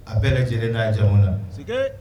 A bɛɛ lajɛlen n'a ye jan la